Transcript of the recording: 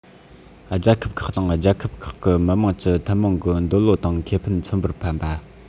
རྒྱལ ཁབ ཁག དང རྒྱལ ཁབ ཁག གི མི དམངས ཀྱི ཐུན མོང གི འདོད བློ དང ཁེ ཕན མཚོན པར ཕན པ